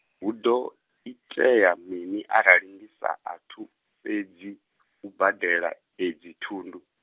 hu ḓo itea mini arali ndi sa athu u fhedzi, u badela edzi thundu.